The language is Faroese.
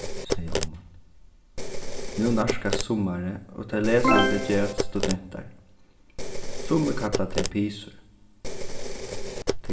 segði omman nú nærkast summarið og tey lesandi gerast studentar summi kalla tey pisur